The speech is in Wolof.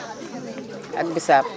ak bisaab